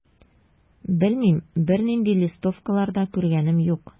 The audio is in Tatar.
Белмим, бернинди листовкалар да күргәнем юк.